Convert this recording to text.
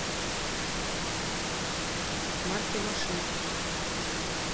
марки машин